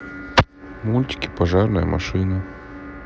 мультики пожарная машина